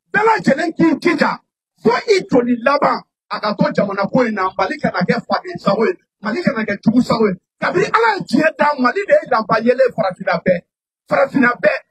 Bɛɛ lajɛlen' la fa i joli laban a ka ko jamana ko in na mali kana kɛ fasa ye mali kana kɛ tusa ye kabi ala tiɲɛ ta mali de ye janfajɛlen farafininafɛ farafinfɛ